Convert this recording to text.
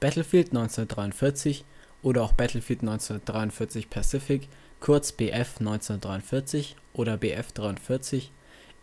1943, oder auch Battlefield 1943: Pacific, kurz BF1943 oder BF43,